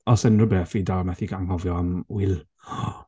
Os unrywbeth, fi dal methu anghofio am Will. Oh!